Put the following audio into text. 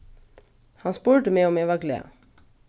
hann spurdi meg um eg var glað